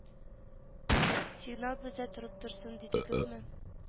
Сигнал бездә торып торсын дидегезме